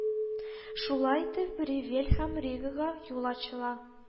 Шулай итеп Ревель һәм Ригага юл ачыла